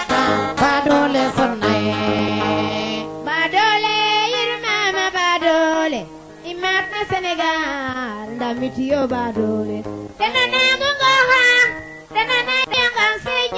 Modou Mbisel xaro nana no affaire Jokalante parce que wo mayaa wala boog mera jala fo nana nen projet keeke xaƴa peut etre gonle qasoo nawo wala nam